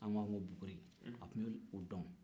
anw b'a fɔ ko buguri a tun bɛ buguri dɔn